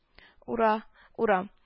- ура, ура